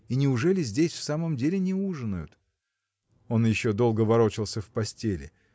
И неужели здесь в самом деле не ужинают? Он еще долго ворочался в постели